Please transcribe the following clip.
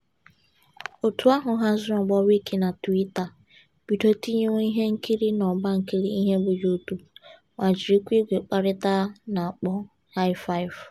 Otu ahụ haziri ọgbọ Wiki na Tụwita, bido tinyewe ihe nkiri n'ọbankiri ihe bụ Yutubu, ma jirikwa igwe mkparịta a na-akpọ Hi-5.